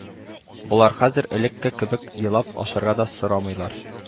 Болар хәзер элекке кебек елап ашарга да сорамыйлар